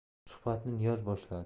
suhbatni niyoz boshladi